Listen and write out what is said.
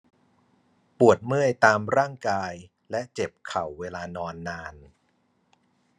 ปวดเมื่อยตามร่างกายและเจ็บเข่าเวลานอนนาน